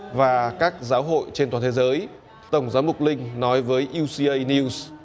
và các giáo hội trên toàn thế giới tổng giám mục linh nói với iu si ây niu